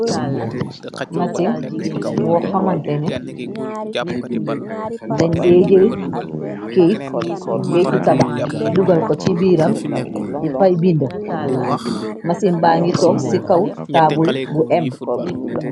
Machine bor hamanteh neh dengh dae jel keiyit, keiyit tabakh dugal kor chi biram, difaii binda, machine baangy tok cii kaw taabul bu em.